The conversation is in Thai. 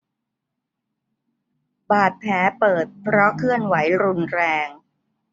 บาดแผลเปิดเพราะเคลื่อนไหวรุนแรง